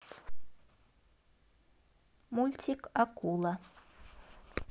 мультик акула